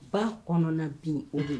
Ba kɔnɔna bin o bɛ